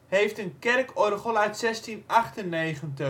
heeft een kerkorgel uit 1698. Het